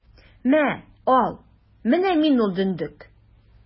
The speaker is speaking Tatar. Мә, ал, менә мин ул дөндек!